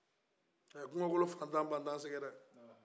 ka kungolo fantan bantan sɛgɛrɛ